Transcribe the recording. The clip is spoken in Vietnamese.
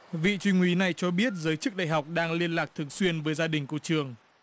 vị trung úy này cho biết giới chức đại học đang liên lạc thường xuyên với gia đình của trường